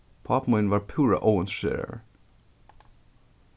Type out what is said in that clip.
pápi mín var púra óinteresseraður